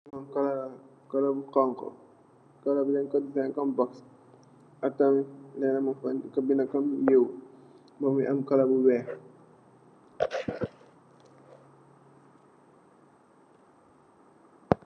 Lii kolo la, kolo bu xoñxa, kolo bi dañg ko desaayin kom box. Ak tamit, Leena mung fa, ñung ko disaayin kom, niw. Mom tamit, am kolo bu weex.